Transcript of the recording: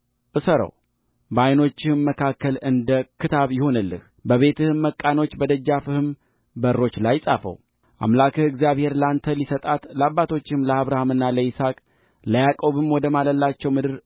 እሰረው በዓይኖችህም መካከል እንደክታብ ይሁንልህበቤትህም መቃኖች በደጃፍህም በሮች ላይ ጻፈውአምላክህ እግዚአብሔር ለአንተ ሊሰጣት ለአባቶችህ ለአብርሃምና ለይስሐቅ ለያዕቆብም ወደ ማለላቸው ምድር